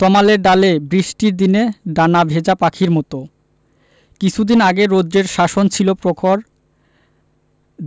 তমালের ডালে বৃষ্টির দিনে ডানা ভেজা পাখির মত কিছুদিন আগে রৌদ্রের শাসন ছিল প্রখর